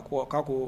A ko ko ko